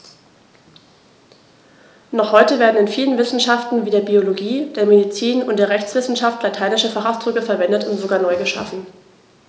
Noch heute werden in vielen Wissenschaften wie der Biologie, der Medizin und der Rechtswissenschaft lateinische Fachausdrücke verwendet und sogar neu geschaffen.